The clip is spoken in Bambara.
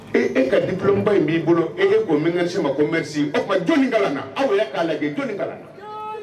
Ee ka di kelenlonba in b'i bolo ee ko misi ma ko aw ka jɔnni kalan na aw ye k'a lajɛ jɔn kalan na